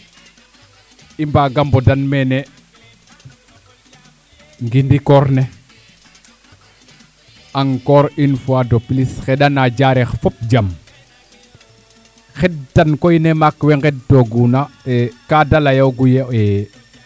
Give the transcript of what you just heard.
i mbaaga mbodan meene ngilikoor ne encore une fois de plus xendana Diarekh fop jam xend tan koy ne maak we ngend to guna ka de leyogu ye